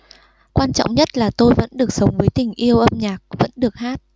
quan trọng nhất là tôi vẫn được sống với tình yêu âm nhạc vẫn được hát